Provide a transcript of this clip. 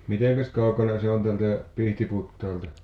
mitenkäs kaukana se on täältä Pihtiputaalta